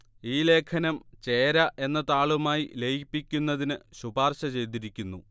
ഈ ലേഖനം ചേര എന്ന താളുമായി ലയിപ്പിക്കുന്നതിന് ശുപാർശ ചെയ്തിരിക്കുന്നു